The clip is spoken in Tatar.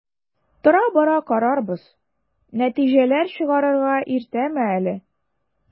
Тора-бара карарбыз, нәтиҗәләр чыгарырга иртәме әле?